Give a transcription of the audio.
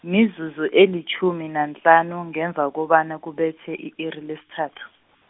mizuzu elitjhumi nanhlanu ngemva kobana kubethe i-iri lesithathu.